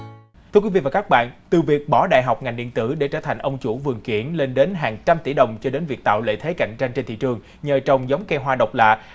thưa quý vị và các bạn từ việc bỏ đại học ngành điện tử để trở thành ông chủ vườn kiểng lên đến hàng trăm tỷ đồng cho đến việc tạo lợi thế cạnh tranh trên thị trường nhờ trồng giống cây hoa độc lạ